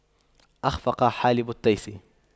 أَخْفَقَ حالب التيس